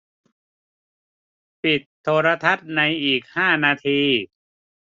ปิดโทรทัศน์ในอีกห้านาที